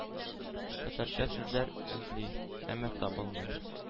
Татарча сүзләр эзли, әмма табалмый,